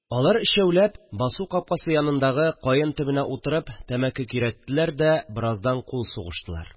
Алар өчәүләп басу капкасы янындагы каен төбенә утырып тәмәке көйрәттеләр дә, бераздан кул сугыштылар